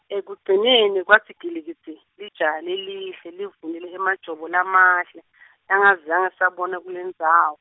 ekugcineni kwatsi gilikidzi, lijaha lelihle, livunule emajobo lamahle, langazange sabonwe kulendzawo.